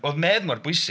Oedd medd mor bwysig.